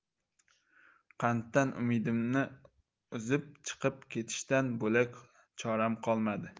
qanddan umidimni uzib chiqib ketishdan bo'lak choram qolmadi